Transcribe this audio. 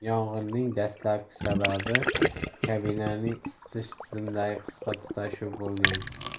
yong'inning dastlabki sababi kabinaning isitish tizimidagi qisqa tutashuv bo'lgan